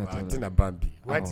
N'o tɛ a tɛ na ban bi. Wa